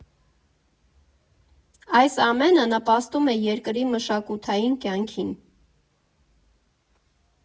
Այս ամենը նպաստում է երկրի մշակութային կյանքին։